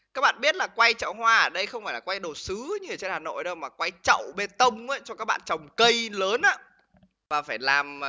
các bạn biết là quay chậu hoa ở đây không phải là quay đồ sứ như ở trên hà nội đâu mà quay chậu bê tông ấy cho các bạn trồng cây lớn á và phải làm